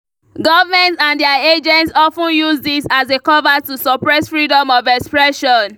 Governments and their agents often use this as a cover to suppress freedom of expression.